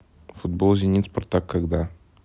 футбол зенит спартак когда